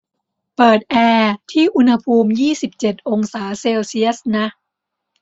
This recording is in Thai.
เปิดแอร์ที่อุณหภูมิยี่สิบเจ็ดองศาเซลเซียสนะ